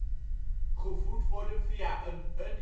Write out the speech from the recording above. gevoed worden via een Uninterruptible